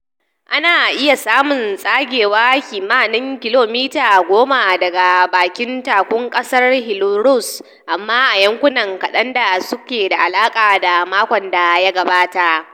Ana iya samun tsagewa kimanin kilomita 10 daga bakin takun kasar Hillsborough, amma a yankuna kadan da suke da alaka da makon da ya gabata